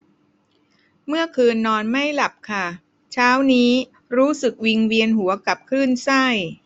เมื่อคืนนอนไม่หลับค่ะเช้านี้รู้สึกวิงเวียนหัวกับคลื่นไส้